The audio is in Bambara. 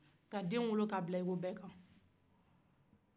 ka den wolo ka bila i ko bakan